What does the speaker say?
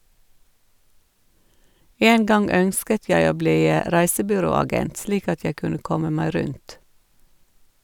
En gang ønsket jeg å bli reisebyråagent, slik at jeg kunne komme meg rundt.